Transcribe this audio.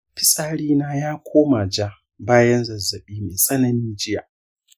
fitsari na ya koma ja bayan zazzaɓi mai tsanani jiya.